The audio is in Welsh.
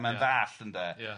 ...mae'n ddallt ynde... Ia.